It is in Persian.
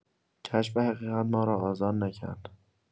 کشف حقیقت ما را آزاد نکرد.